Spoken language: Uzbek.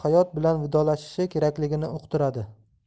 hayot bilan vidolashishi kerakligini uqtiradi